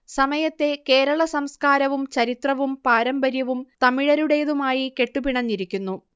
സമയത്തെ കേരള സംസ്കാരവും ചരിത്രവും പാരമ്പര്യവും തമിഴരുടേതുമായി കെട്ടുപിണഞ്ഞിരിക്കുന്നു